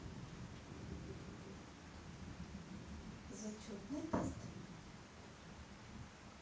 зачетный тест